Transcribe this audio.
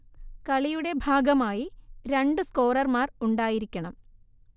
കളിയുടെ ഭാഗമായി രണ്ടു സ്കോറർമാർ ഉണ്ടായിരിക്കണം